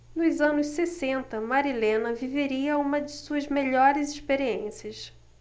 nos anos sessenta marilena viveria uma de suas melhores experiências